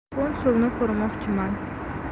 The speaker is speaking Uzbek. konsulni ko'rmoqchiman